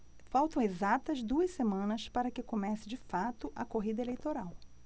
faltam exatas duas semanas para que comece de fato a corrida eleitoral